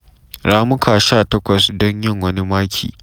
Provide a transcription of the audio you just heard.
Ramuka 18 don yin wani maki.